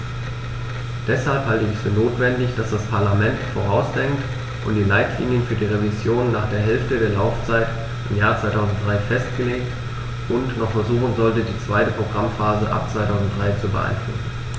Deshalb halte ich es für notwendig, dass das Parlament vorausdenkt und die Leitlinien für die Revision nach der Hälfte der Laufzeit im Jahr 2003 festlegt und noch versuchen sollte, die zweite Programmphase ab 2003 zu beeinflussen.